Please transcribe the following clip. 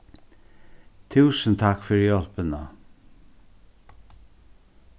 túsund takk fyri hjálpina